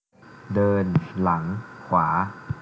เดินหลังขวา